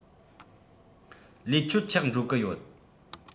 ལས ཆོད ཆག འགྲོ གི ཡོད